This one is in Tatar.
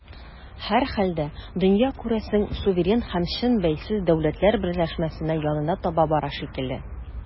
Һәрхәлдә, дөнья, күрәсең, суверен һәм чын бәйсез дәүләтләр берләшмәсенә янына таба бара шикелле.